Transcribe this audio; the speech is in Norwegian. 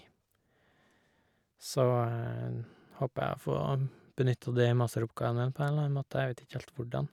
Så håper jeg å få benytta det i masteroppgaven min på en eller annen måte, jeg vet itj helt hvordan.